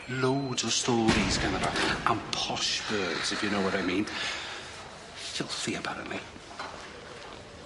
Loads o storis ganddo fo am posh birds if you know whar I mean. Filthy apparently.